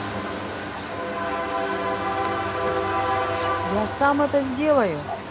я сам это сделаю